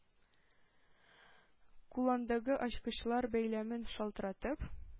Кулындагы ачкычлар бәйләмен шалтыратып,